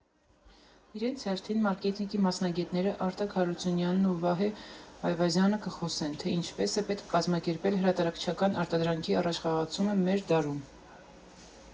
Իրենց հերթին, մարկետինգի մասնագետները Արտակ Հարությունյանն ու Վահե Այվազյանը կխոսեն, թե ինչպես է պետք կազմակերպել հրատարակչական արտադրանքի առաջխղացումը մեր դարում։